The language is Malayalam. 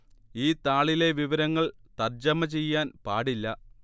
ഈ താളിലെ വിവരങ്ങൾ തർജ്ജമ ചെയ്യാൻ പാടില്ല